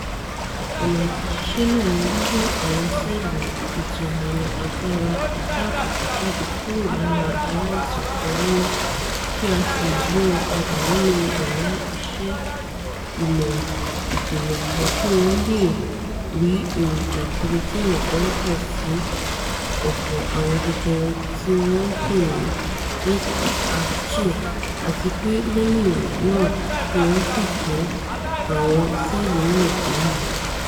Ọ̀nà àtiṣiṣẹ́ náà ní wíwa àwọn ṣẹ́ẹ̀lì ètò ìlànà àgọ́-ara ìdáààbòbò jáde kúrò lára aláìsàn kan nínú, kí á sì yíwọn padà nínú yàrá iṣẹ́ ìmọ̀ ìjìnlẹ̀ kan kí wọ́n leè 'ri' èròja puroteeni tówọ́pọ̀ sí ọ̀pọ̀ àwọn jẹjẹrẹ tíwọ́n ńpe ni HER2, àtipé lẹ́yìn náà kí wọ́n sì tún àwọn ṣẹ́ẹ̀lì náà gbé mi.